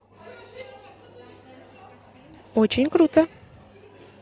очень круто